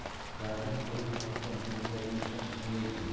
dardim to'lib toshgan senga aytmasam kimga aytaman